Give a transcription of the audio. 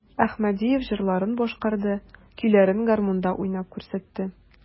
Әхмәдиев җырларын башкарды, көйләрен гармунда уйнап күрсәтте.